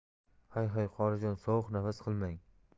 hay hay qorijon sovuq nafas qilmang